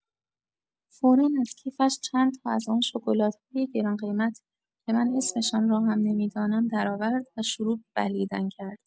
فورا از کیفش چند تا از آن شکلات‌های گران‌قیمت که من اسمشان را هم نمی‌دانم درآورد و شروع به بلعیدن کرد.